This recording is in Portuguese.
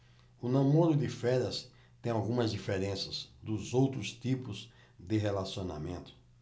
o namoro de férias tem algumas diferenças dos outros tipos de relacionamento